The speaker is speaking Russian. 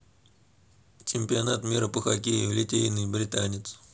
чемпионат мира по хоккею литейный британец